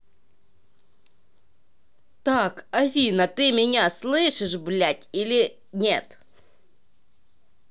так афина ты меня слышишь блядь или нет